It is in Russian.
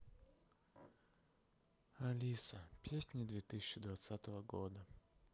алиса песни две тысячи двадцатого года